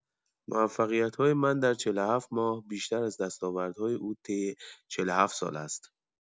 موفقیت‌های من در ۴۷ ماه بیشتر از دستاوردهای او طی ۴۷ سال است.